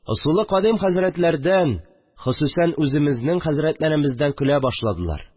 Ысулы кадим хәзрәтләрдән, хосусән үземезнең хәзрәтемездән көлә башладылар